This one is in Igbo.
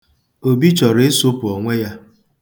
Obi chọrọ ịsụpụ onwe ya.